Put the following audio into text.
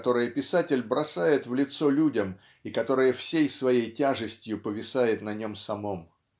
которое писатель бросает в лицо людям и которое всей своей тяжестью повисает на нем самом?